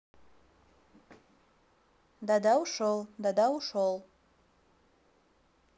да да ушел да да ушел